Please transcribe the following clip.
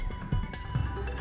lắc